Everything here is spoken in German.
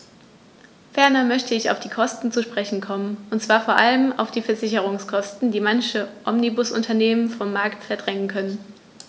Ferner möchte ich auf die Kosten zu sprechen kommen, und zwar vor allem auf die Versicherungskosten, die manche Omnibusunternehmen vom Markt verdrängen könnten.